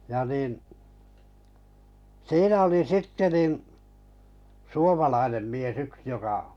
ja niin siinä oli sitten niin suomalainen mies yksi joka